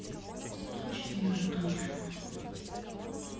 с тучки на тучку